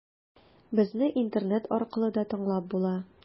Безне интернет аркылы да тыңлап була.